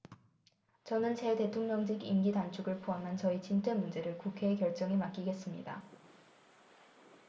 저는 제 대통령직 임기 단축을 포함한 저의 진퇴 문제를 국회의 결정에 맡기겠습니다